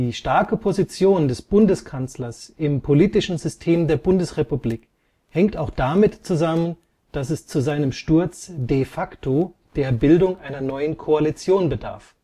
starke Position des Bundeskanzlers im politischen System der Bundesrepublik hängt auch damit zusammen, dass es zu seinem Sturz de facto der Bildung einer neuen Koalition bedarf